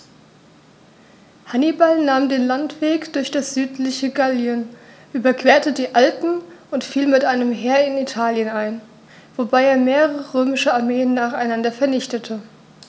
Hannibal nahm den Landweg durch das südliche Gallien, überquerte die Alpen und fiel mit einem Heer in Italien ein, wobei er mehrere römische Armeen nacheinander vernichtete.